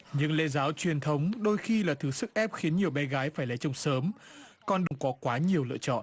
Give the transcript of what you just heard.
những lễ giáo truyền thống đôi khi là thứ sức ép khiến nhiều bé gái phải lấy chồng sớm con còn có quá nhiều lựa chọn